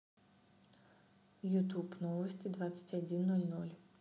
ютуб новости двадцать один ноль ноль